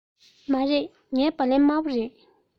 མ རེད ངའི སྦ ལན དམར པོ རེད